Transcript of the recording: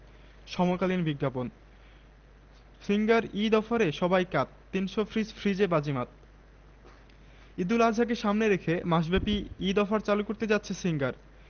L B M B H I Kolkata ৭৩৭ দক্ষিন Shahjahanpur Amtala Dhaka phone ৪০০০৮৭১